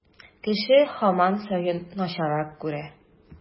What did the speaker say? Кеше һаман саен начаррак күрә.